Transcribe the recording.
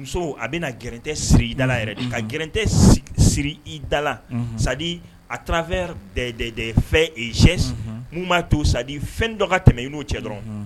Muso a bɛna gɛrɛ tɛ siri i da ka g siri i da a tarawelefe sɛ n'u'a to sa fɛn dɔ ka tɛmɛ i n'o cɛ dɔrɔn